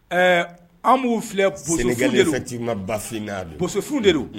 Ɛɛ an b'u filɛ bosofinw de don, ce n'est égal effectivement ba final bosofinw de don.